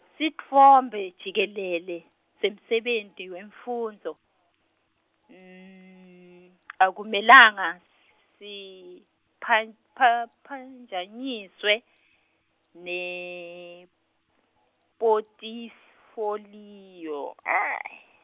sitfombe, jikelele, semsebenti wemfundvo, akumelanga, si phan- pha -phanjanyiswe, nephothifoliyo .